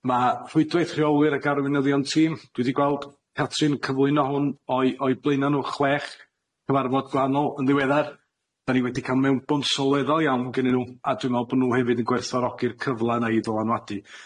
Ma' rhwydwaith rheolwyr ag arweinyddion tîm dwi 'di gweld Catrin cyflwyno hwn o'u o'u blaena' n'w chwech cyfarfod gwahanol yn ddiweddar, da ni wedi ca'l mewnbwn sylweddol iawn gynnyn n'w a dwi me'wl bo' n'w hefyd yn gwerthfawrogi'r cyfla 'na i dylanwadu.